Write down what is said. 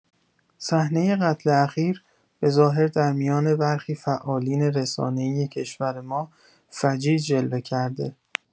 صحنه قتل اخیر، به‌ظاهر در میان برخی فعالین رسانه‌ای کشور ما «فجیع» جلوه کرده